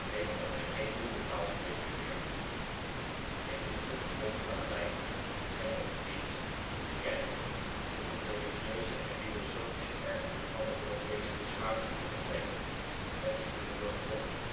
heeft echter geen moedertaalsprekers meer. Het is nuttig om Latijn (en/of Grieks) te kennen om het religieuze en filosofische erfgoed van de Europese beschaving te ontdekken en te kunnen doorgronden